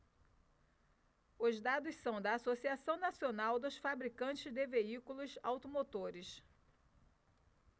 os dados são da anfavea associação nacional dos fabricantes de veículos automotores